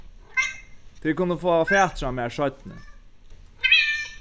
tit kunnu fáa fatur á mær seinni